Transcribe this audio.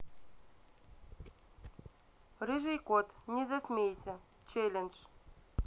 рыжий кот не засмейся челлендж